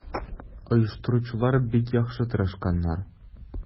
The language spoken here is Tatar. Оештыручылар бик яхшы тырышканнар.